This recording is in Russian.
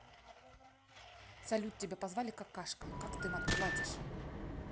салют тебя позвали какашка как ты им отплатишь